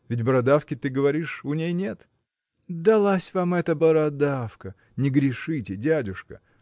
ведь бородавки, ты говоришь, у ней нет?. – Далась вам эта бородавка! Не грешите, дядюшка